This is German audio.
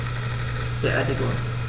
Beerdigung